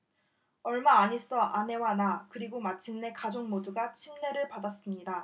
얼마 안 있어 아내와 나 그리고 마침내 가족 모두가 침례를 받았습니다